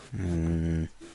Hmm.